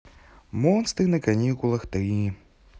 монстры на каникулах три